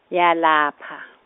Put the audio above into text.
yalapha.